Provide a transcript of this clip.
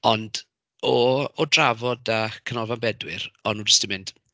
Ond o o drafod 'da Canolfan Bedwyr, o'n nhw jyst yn mynd...